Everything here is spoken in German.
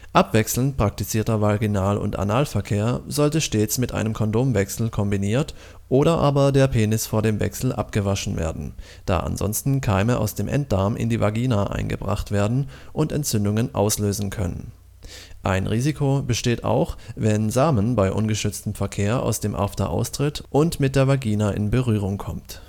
Abwechselnd praktizierter Vaginal - und Analverkehr sollte stets mit einem Kondomwechsel kombiniert oder aber der Penis vor dem Wechsel abgewaschen werden, da ansonsten Keime aus dem Enddarm in die Vagina eingebracht werden und Entzündungen auslösen können. Ein Risiko besteht auch, wenn Samen bei ungeschütztem Verkehr aus dem After austritt und mit der Vagina in Berührung kommt